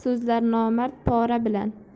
so'zlar nomard pora bilan